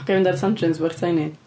Ga i fynd ar tangent bach tiny?